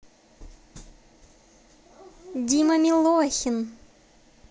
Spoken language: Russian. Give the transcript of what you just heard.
дима милохин